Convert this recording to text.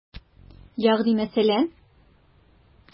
Ягъни мәсәлән?